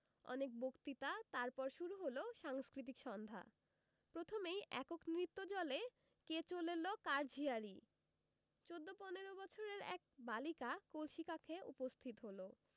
অনেক বক্তৃতা তার পর শুরু হল সাংস্কৃতিক সন্ধ্যা প্রথমেই একক নৃত্যজলে কে চলেলো কার ঝিয়ারি চৌদ্দ পনেরো বছরের এক বালিকা কলসি কাঁখে উপস্থিত হল